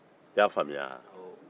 i y'a faamuya wa